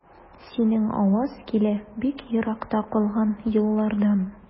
Синең аваз килә бик еракта калган еллардан.